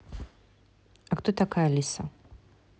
а кто такая алиса